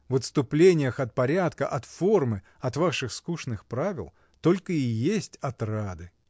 В отступлениях от порядка, от формы, от ваших скучных правил только и есть отрады.